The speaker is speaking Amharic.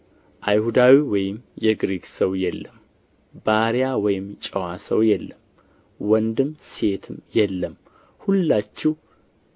አይሁዳዊ ወይም የግሪክ ሰው የለም ባሪያ ወይም ጨዋ ሰው የለም ወንድም ሴትም የለም ሁላችሁ